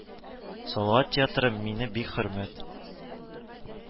Салават театры мине бик хөрмәт